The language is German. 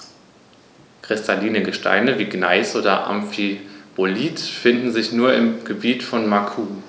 Kristalline Gesteine wie Gneis oder Amphibolit finden sich nur im Gebiet von Macun.